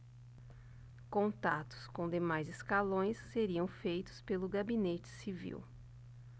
contatos com demais escalões seriam feitos pelo gabinete civil